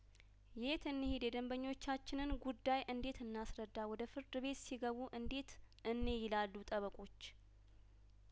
የት እንኂድ የደንበኞቻችንን ጉዳይ እንዴት እናስረዳ ወደ ፍርድ ቤት ሲገቡ እንዴት እንይ ይላሉ ጠበቆች